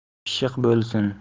pishiq bo'lsin